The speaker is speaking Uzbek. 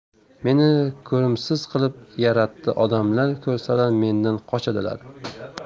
meni ko'rimsiz qilib yaratdi odamlar ko'rsalar mendan qochadilar